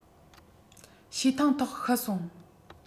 བྱེ ཐང ཐོག ཤི སོང